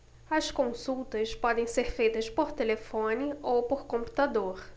as consultas podem ser feitas por telefone ou por computador